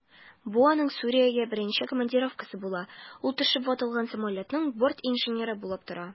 Бу аның Сүриягә беренче командировкасы була, ул төшеп ватылган самолетның бортинженеры булып тора.